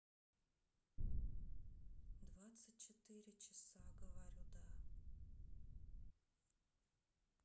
двадцать четыре часа говорю да